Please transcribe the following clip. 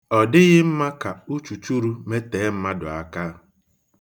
Ọ dịghị mma ka uchuchuru metee mmadụ aka.